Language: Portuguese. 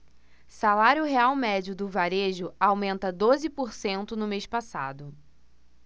salário real médio do varejo aumenta doze por cento no mês passado